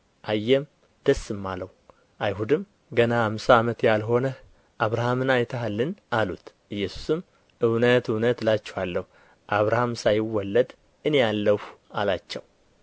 አየም ደስም አለው አይሁድም ገና አምሳ ዓመት ያልሆነህ አብርሃምን አይተሃልን አሉት ኢየሱስም እውነት እውነት እላችኋለሁ አብርሃም ሳይወለድ እኔ አለሁ አላቸው